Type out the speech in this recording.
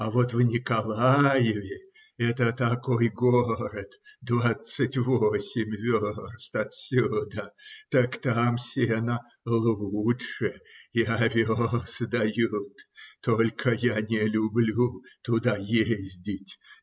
А вот в Николаеве, – это такой город, двадцать восемь верст отсюда, – так там сено лучше и овес дают, только я не люблю туда ездить